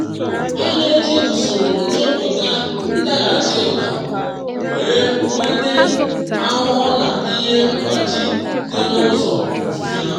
Ha na-eji usoro nchọpụta ndaghachi ụda were nweta ahụhụ na ihe mgbachi dị n’ụzọ ofufe ha.